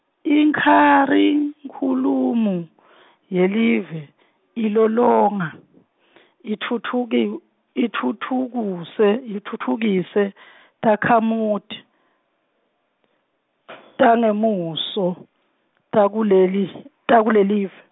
ikharikhulamu , yelive, ilolonga , itfutfuki-, itfutfukise, itfutfukise , takhamuti, tangemuso, takuleli-, takulelive.